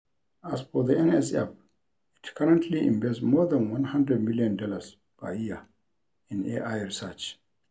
As for the NSF, it currently invests more than $100 million per year in AI research.